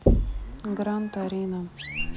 гран торино